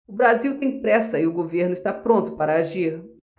o brasil tem pressa e o governo está pronto para agir